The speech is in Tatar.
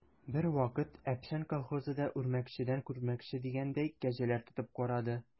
Бервакыт «Әпшән» колхозы да, үрмәкчедән күрмәкче дигәндәй, кәҗәләр тотып карады.